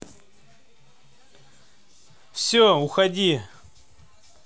все уходи